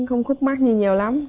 không khúc mắc gì nhiều lắm